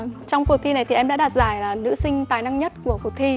trong cuộc thi này thì em đã đoạt giải nữ sinh tài năng nhất của cuộc thi